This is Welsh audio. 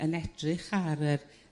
yn edrych ar yr